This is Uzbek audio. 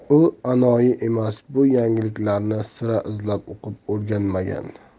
yangiliklarni sira izlab o'qib o'rganmagan